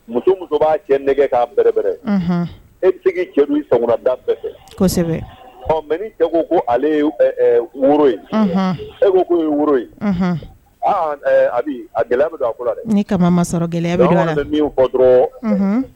Muso muso b'a cɛ nɛgɛgɛ k'an bɛrɛɛrɛ e bɛ cɛdu sankurada fɛ ɔ mɛ ko ale woro in e ko ko woro in a a gɛlɛya bɛ don a dɛ ni kamama sɔrɔ gɛlɛya bɛ min kɔ dɔrɔn